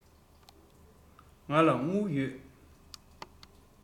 ང ལ དངུལ ཡོད